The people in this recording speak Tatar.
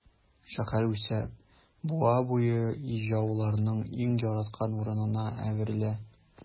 Шәһәр үсә, буа буе ижауларның иң яраткан урынына әверелә.